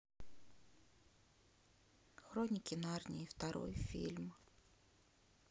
хроники нарнии второй фильм